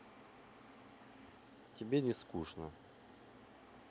тебе не скучно